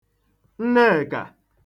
Nnekà